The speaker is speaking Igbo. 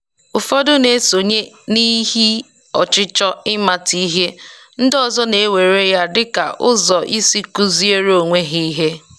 Ụfọdụ na-esonye n'ihi ọchịchọ ịmata ihe; ndị ọzọ na-ewere ya dị ka ụzọ isi kuziere onwe ha ihe.